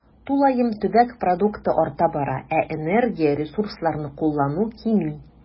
Тулаем төбәк продукты арта бара, ә энергия, ресурсларны куллану кими.